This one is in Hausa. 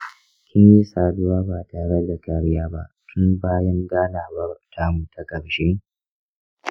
kin yi saduwa ba tare da kariya ba tun bayan ganawar tamu ta ƙarshe?